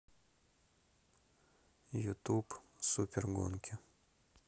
ютуб супер гонки